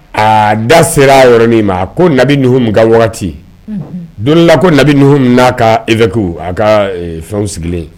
Aa da sera a yɔrɔ min ma ko nabi ka wagati donla ko nabi numu min'a ka evku a ka fɛnw sigilen